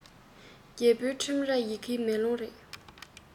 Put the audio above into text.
རྒྱལ པོའི ཁྲིམས རར ཡི གེ མེ ལོང རེད